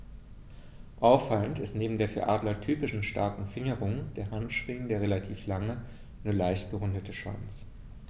Auffallend ist neben der für Adler typischen starken Fingerung der Handschwingen der relativ lange, nur leicht gerundete Schwanz.